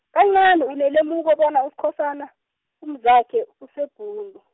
kancani unelemuko bona Uskhosana, umzakhe useBhundu.